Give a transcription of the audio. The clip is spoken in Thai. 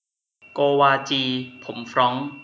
โกวาจีผมฟร้องซ์